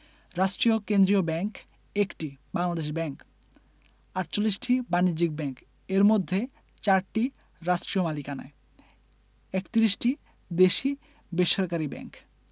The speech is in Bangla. রাষ্ট্রীয় কেন্দ্রীয় ব্যাংক ১টি বাংলাদেশ ব্যাংক ৪৮টি বাণিজ্যিক ব্যাংক এর মধ্যে ৪টি রাষ্ট্রীয় মালিকানায় ৩১টি দেশী বেসরকারি ব্যাংক